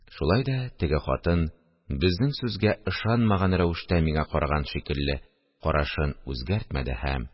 Шулай да теге хатын, безнең сүзгә ышанмаган рәвештә миңа караган шикелле, карашын үзгәртмәде һәм: